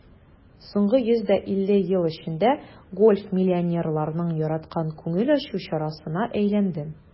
Соңгы 150 ел эчендә гольф миллионерларның яраткан күңел ачу чарасына әйләнде.